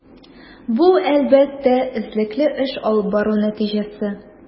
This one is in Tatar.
Бу, әлбәттә, эзлекле эш алып бару нәтиҗәсе.